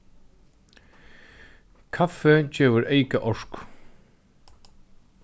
kaffi gevur eyka orku